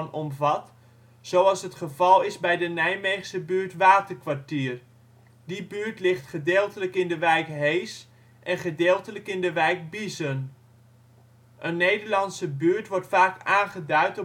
omvat, zoals het geval is bij de Nijmeegse buurt Waterkwartier. Die buurt ligt gedeeltelijk in de wijk Hees en gedeeltelijk in de wijk Biezen. Een Nederlandse buurt wordt vaak aangeduid